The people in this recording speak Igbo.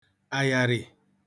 àyàrị̀